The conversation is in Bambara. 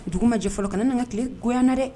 Dugu ma jɛ fɔlɔ kana na n ka tile goya na dɛ